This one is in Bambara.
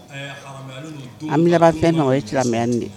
An bɛ fɛn na o ye silamɛmɛ de ye